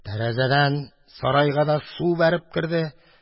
Тәрәзәдән сарайга да су бәреп керде.